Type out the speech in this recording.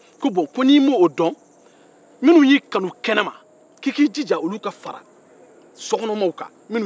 ko n'i ma o dɔn minnu y'i kanu kɛnɛ ma k'i k'i jija k'olu fara sokɔnɔmaa kan